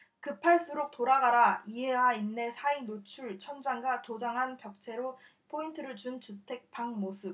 급할수록 돌아가라 이해와 인내 사이노출 천장과 도장한 벽체로 포인트를 준 주택 방 모습